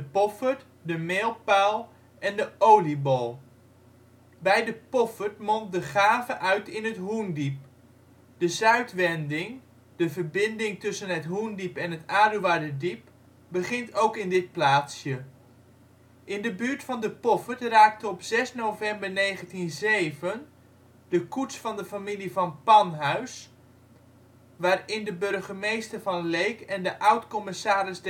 Poffert, De Meelpuil en De Oliebol. Bij De Poffert mondt de Gave uit in het Hoendiep. De Zuidwending, de verbinding tussen het Hoendiep en het Aduarderdiep, begint ook in dit plaatsje. In de buurt van De Poffert raakte op 6 november 1907 de koets van de familie Van Panhuys, waarin de burgemeester van Leek en de oud-Commissaris